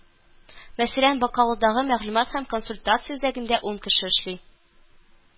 Мәсәлән, Бакалыдагы мәгълүмат һәм консультация үзәгендә ун кеше эшли